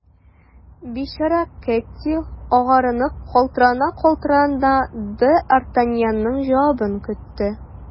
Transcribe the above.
Бичара Кэтти, агарынып, калтырана-калтырана, д’Артаньянның җавабын көтте.